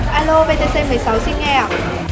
a lô vê tê xê mười sáu xin nghe ạ